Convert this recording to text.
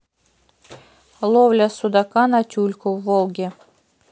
ловля судака на тюльку на волге